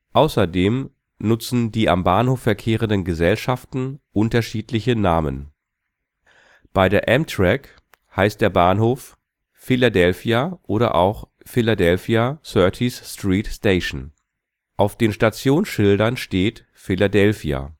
Außerdem nutzen die am Bahnhof verkehrenden Gesellschaften unterschiedliche Namen. Bei der Amtrak heißt der Bahnhof Philadelphia oder auch Philadelphia – 30th Street Station; auf den Stationsschildern steht Philadelphia